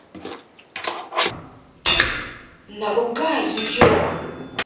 наругай ее